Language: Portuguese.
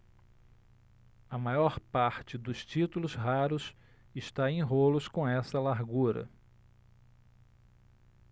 a maior parte dos títulos raros está em rolos com essa largura